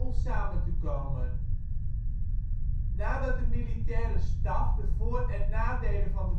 samen te komen. Nadat de militaire staf de voor - en nadelen van de